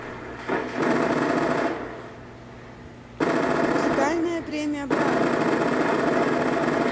музыкальная премия браво